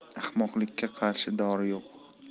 ahmoqlikka qarshi dori yo'q